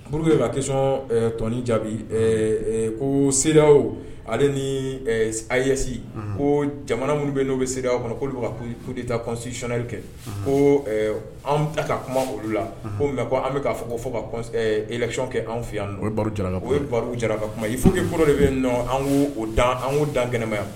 Moriuru ka tɛson tɔni jaabi ko sew ale ni ayisi ko jamana minnu bɛ n'o bɛ sew kɔnɔ ko oluolu ka taasisianw kɛ ko an ka kuma olu la ko an bɛ k'a fɔ ko fɔ kacɔn kɛ an fɛ yan o jara o ye baro jara ka kuma i fokeoro de bɛ an ko dan kɛnɛma yan